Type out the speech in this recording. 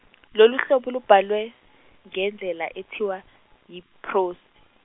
lolu hlobo lubhalwe, ngendlela ethiwa yiphrosi.